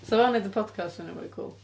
'sa fo yn wneud y podcast yn fwy cwl?